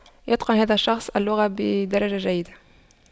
يتقن هذا الشخص اللغة بدرجة جيدة